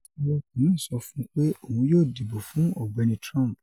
Awakọ naa sọ fun un pe oun yoo dibo fun Ọgbẹni Trump.